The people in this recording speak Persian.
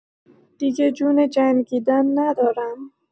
دیگه جون جنگیدن ندارم.